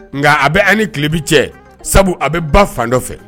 Nka a bɛ an ni tilebi cɛ sabu a bɛ ba fan dɔ fɛ